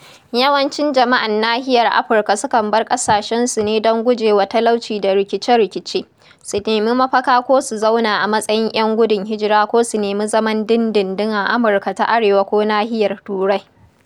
Yawancin jama'ar nahiyar Afirka su kan bar ƙasashensu ne don gujewa talauci da rikice-rikice, su nemi mafaka ko su zauna a matsayin 'yan gudun hijira ko su nemi zaman dindindin a Amurka ta Arewa ko nahiyar Turai.